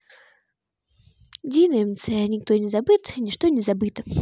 dino mc никто не забыт ничто не забыто